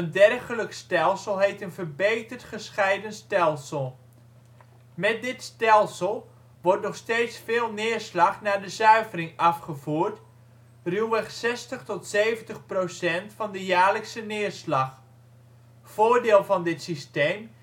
dergelijk stelsel heet een verbeterd gescheiden stelsel. Met dit stelsel wordt nog steeds veel neerslag naar de zuivering afgevoerd (ruwweg 60 tot 70 % van de jaarlijkse neerslag). Voordeel van dit systeem